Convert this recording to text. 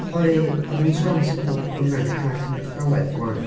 Oherwydd oedden ni'n sôn sut bod pobl ifanc yn cael cynrychiolaeth 'wan.